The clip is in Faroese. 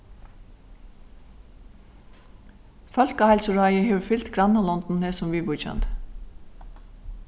fólkaheilsuráðið hevur fylgt grannalondunum hesum viðvíkjandi